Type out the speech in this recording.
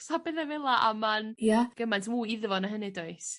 a petha fel 'a a ma'n... Ia. ...gymaint fwy iddo fo na hynny does?